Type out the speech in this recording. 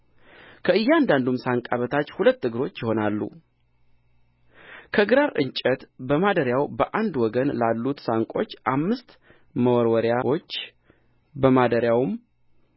ከእያንዳንዱም ሳንቃ በታች ሁለት እግሮች ይሆናሉ ከግራርም እንጨት በማደሪያው በአንድ ወገን ላሉት ሳንቆች አምስት መወርወሪያዎች በማደሪያውም